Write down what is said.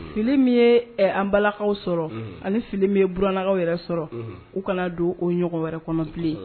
Fili min ye an balakaw sɔrɔ ani fili bɛ burankaw yɛrɛ sɔrɔ u kana don o ɲɔgɔn wɛrɛ kɔnɔnbilen